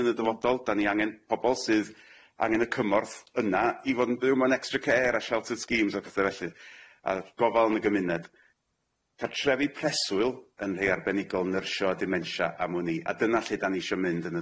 yn y dyfodol da ni angen pobol sydd angen y cymorth yna i fod yn byw mewn extra care a sheltered schemes a pethe felly a gofal yn y gymuned cartrefi preswyl yn rhei arbenigol nyrsio a dimensia am wn i a dyna lle dan ni isio mynd yn y